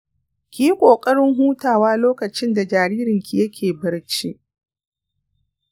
ki yi ƙoƙarin hutawa lokacin da jaririnki yake barci.